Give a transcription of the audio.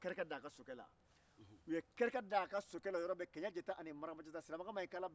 ni a ma cogojugu dɔ banke a la o kosɔ a bɛ a damina ko suguruba